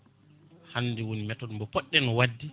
hande woni méthode mo poɗɗen wadde